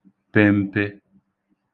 pē m̄pē